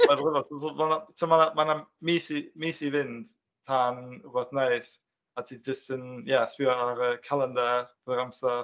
Mae'n rhyfedd. ma' 'na ma' 'na mis i fynd tan rywbeth neis, a ti jyst yn ia yn sbïo ar y calendar trwy'r amser.